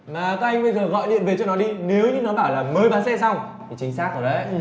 mà các anh bây giờ gọi điện về cho nó đi nếu như nó bảo là mới bán xe xong thì chính xác rồi đấy